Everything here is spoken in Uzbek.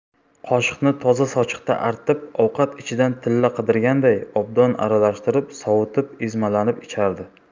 qoshiqni toza sochiqda artib ovqat ichidan tilla qidirganday obdan aralashtirib sovutib ezmalanib ichardi